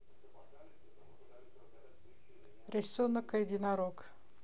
рисунок единорог